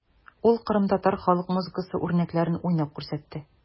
Ул кырымтатар халык музыкасы үрнәкләрен уйнап күрсәтте.